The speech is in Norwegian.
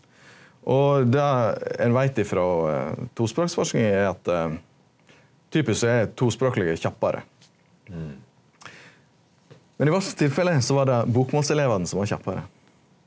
og det ein veit ifrå tospråksforsking er at typisk så er tospråklege kjappare men i vårt tilfelle so var det bokmålselevane som var kjappare.